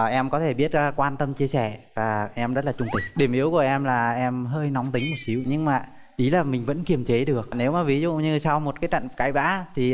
em có thể biết quan tâm chia sẻ và em rất là trung tình điểm yếu của em là em hơi nóng tính một xíu nhưng mà ý là mình vẫn kiềm chế được nếu mà ví dụ như sau một cái trận cãi vã thì